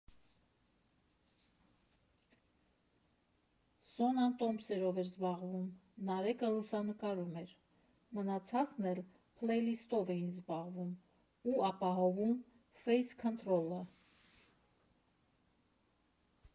Սոնան տոմսերով էր զբաղվում, Նարեկը լուսանկարում էր, մնացածն էլ փլեյլիստով էին զբաղվում ու ապահովում ֆեյսքընթրոլը։